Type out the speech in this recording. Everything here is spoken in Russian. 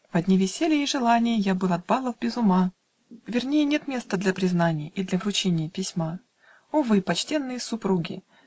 Во дни веселий и желаний Я был от балов без ума: Верней нет места для признаний И для вручения письма. О вы, почтенные супруги!